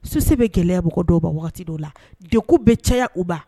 - -Souci bɛ gɛlɛya mɔgɔ dɔw ma waati dɔw la, degun bɛ caaya u ma.